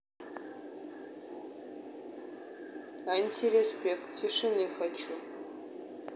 антиреспект тишины хочу